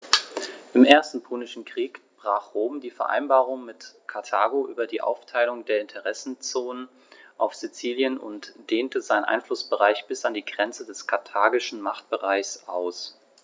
Im Ersten Punischen Krieg brach Rom die Vereinbarung mit Karthago über die Aufteilung der Interessenzonen auf Sizilien und dehnte seinen Einflussbereich bis an die Grenze des karthagischen Machtbereichs aus.